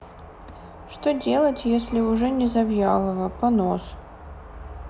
что делать если уже не завьялова понос